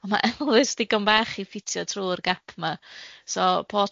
Ond ma' Elvis digon bach i ffitio trw'r gap 'ma, so pob